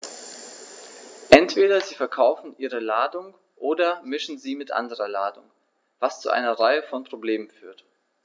Entweder sie verkaufen ihre Ladung oder mischen sie mit anderer Ladung, was zu einer Reihe von Problemen führt.